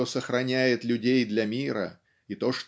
что сохраняет людей для мира и то